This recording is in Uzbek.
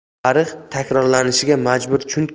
tarix takrorlanishga majbur chunki